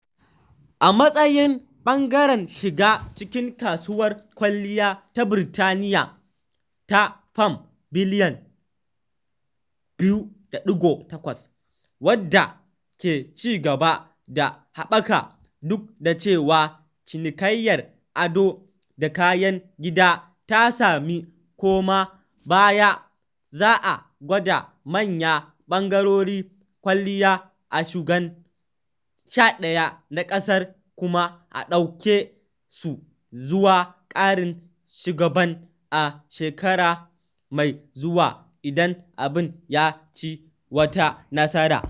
A matsayin ɓangaren shiga cikin kasuwar kwalliya ta Birtaniyya ta Fam biliyan 2.8, wadda ke ci gaba da haɓaka duk da cewa cinikayyar ado da kayan gida ta sami koma baya, za a gwada manyan ɓangarorin kwalliya a shaguna 11 na kasar kuma a ɗauke su zuwa ƙarin shaguna a shekara mai zuwa idan abin ya ci wata nasara.